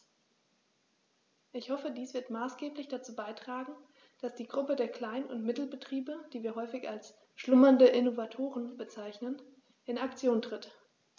Ich hoffe, dies wird maßgeblich dazu beitragen, dass die Gruppe der Klein- und Mittelbetriebe, die wir häufig als "schlummernde Innovatoren" bezeichnen, in Aktion tritt.